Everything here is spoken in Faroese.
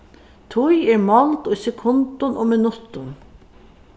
tíð er máld í sekundum og minuttum